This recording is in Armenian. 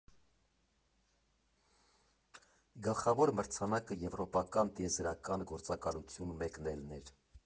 Գլխավոր մրցանակը Եվրոպական տիեզերական գործակալություն մեկնելն էր։